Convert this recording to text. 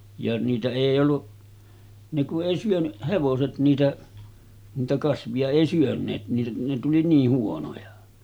ja niitä ei ollut ne kun ei syönyt hevoset niitä niitä kasvia ei syöneet ne ne tuli niin huonoja